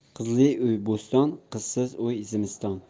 qizli uy bo'ston qizsiz uy zimiston